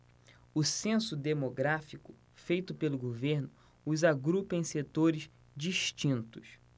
o censo demográfico feito pelo governo os agrupa em setores distintos